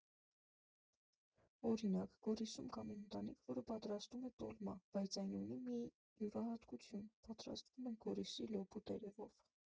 Օրինակ, Գորիսում կա մի ընտանիք, որը պատրաստում է տոլմա, բայց այն ունի մի յուրահատկություն՝ պատրաստվում է Գորիսի լոբու տերևով։